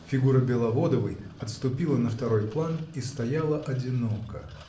Фигура Беловодовой отступила на второй план и стояла одиноко.